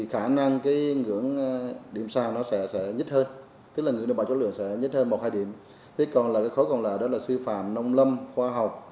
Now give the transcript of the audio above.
khả năng cái ngưỡng điểm sàn nó sẽ sẽ nhích hơn tức là ngưỡng đảm bảo chất lượng giá nhích hơn một hai điểm thế còn là các khối còn lại đó là sư phạm nông lâm khoa học